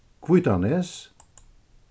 hvítanes